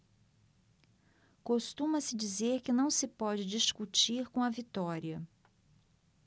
costuma-se dizer que não se pode discutir com a vitória